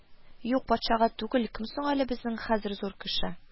Юк, патшага түгел, кем соң әле безнең хәзер зур кеше